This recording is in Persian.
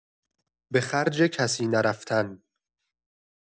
به خرج کسی نرفتن